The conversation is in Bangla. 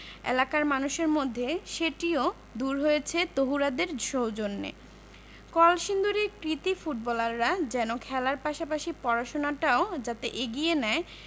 এলাকার মানুষের মধ্যে সেটিও দূর হয়েছে তহুরাদের সৌজন্যে কলসিন্দুরের কৃতী ফুটবলাররা যেন খেলার পাশাপাশি পড়াশোনাটাও যাতে এগিয়ে নেয়